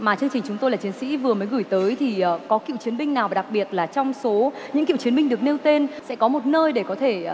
mà chương trình chúng tôi là chiến sĩ vừa mới gửi tới thì ờ có cựu chiến binh nào và đặc biệt là trong số những cựu chiến binh được nêu tên sẽ có một nơi để có thể